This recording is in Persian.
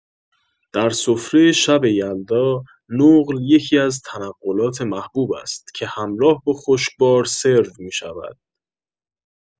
در سفره شب یلدا، نقل یکی‌از تنقلات محبوب است که همراه با خشکبار سرو می‌شود.